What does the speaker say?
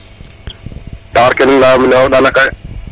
taxar ke nu leya mene danaka